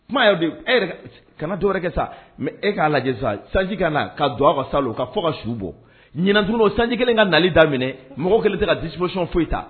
Kuma y'o de kana dɔwɛrɛ kɛ sa mɛ e k'a lajɛ sisan sanji ka na ka dugawu ka sa ka fɔ ka su bɔ ɲdugu sanji kelen ka nali da minɛ mɔgɔ kɛlen tɛ ka disiboyon foyi i ta